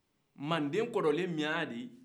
manden kɔrɔlen min o ye